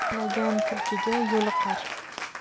tanlagan tulkiga yo'liqar